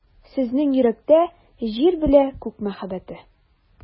Сезнең йөрәктә — Җир белә Күк мәхәббәте.